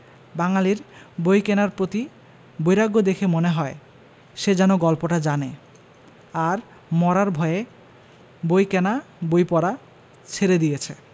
বাঙালীর বই কেনার প্রতি বৈরাগ্য দেখে মনে হয় সে যেন গল্পটা জানে আর মরার ভয়ে বই কেনা বই পড়া ছেড়ে দিয়েছে